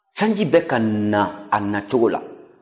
sanji bɛ ka na a nacogo la